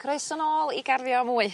Croeso nôl i garddio a mwy.